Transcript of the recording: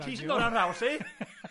Ti sy'n dod ar nhraws i.